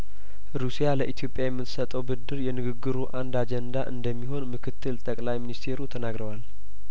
ሩሲያ ለኢትዮጵያ የምትሰጠው ብድር የንግግሩ አንድ አጀንዳ እንደሚሆን ምክትል ጠቅላይ ሚንስቴሩ ተናግረዋል